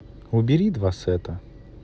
убери два сета